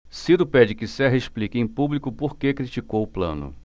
ciro pede que serra explique em público por que criticou plano